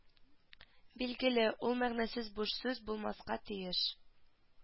Билгеле ул мәгънәсез буш сүз булмаска тиеш